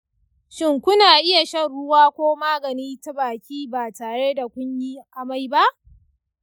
shin kuna iya shan ruwa ko magani ta baki ba tare da kun yi amai ba?